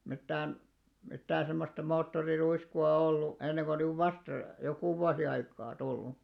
mitään mitään semmoista moottoriruiskua ollut ennen kuin nyt vasta joku vuosi aikaa tullut